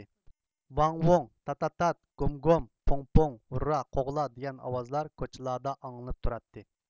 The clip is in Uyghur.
ۋاڭ ۋۇڭ تا تا تات گوم گۇم پوڭ پوڭ ھۇررا قوغلا دىگەن ئاۋازلار كوچىلاردا ئاڭلىنىپ تۇراتتى